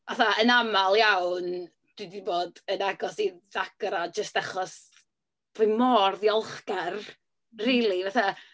Fatha, yn aml iawn, dwi 'di bod yn agos i ddagrau jyst achos dwi mor ddiolchgar, rili, fatha.